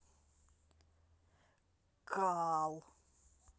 кал